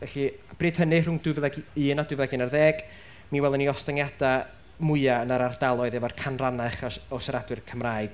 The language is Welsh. Felly, bryd hynny, rhwng dwy fil ac un a dwy fil ac unarddeg, mi welon ni ostyngiadau mwya yn yr ardaloedd efo'r canrannau ucha o sia- o siaradwyr Cymraeg,